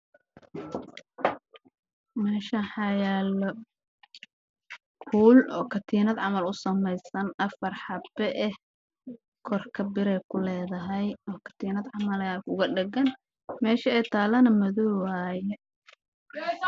Meshan waxaa yaalo kuul oo katiinad camal u sameysan